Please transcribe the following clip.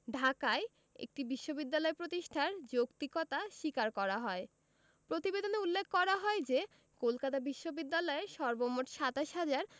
ঢাকায় একটি বিশ্ববিদ্যালয় প্রতিষ্ঠার যৌক্তিকতা স্বীকার করা হয় প্রতিবেদনে উল্লেখ করা হয় যে কলকাতা বিশ্ববিদ্যালয়ের সর্বমোট ২৭ হাজার